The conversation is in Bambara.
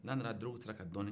n'a nana dɔrɔgu siran kan dɔɔnin